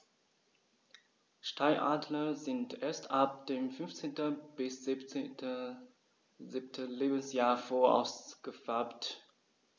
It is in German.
Steinadler sind erst ab dem 5. bis 7. Lebensjahr voll ausgefärbt.